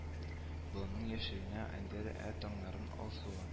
Болынның яшеле анда ә таңнарның алсуы